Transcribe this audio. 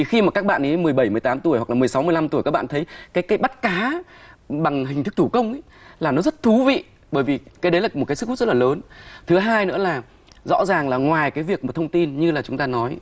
thì khi mà các bạn ý mười bảy mươi tám tuổi hoặc là mười sáu mươi lăm tuổi các bạn thấy cách cách bắt cá bằng hình thức thủ công ấy là nó rất thú vị bởi vì cái đấy là một cái sức hút rất là lớn thứ hai nữa là rõ ràng là ngoài cái việc mà thông tin như là chúng ta nói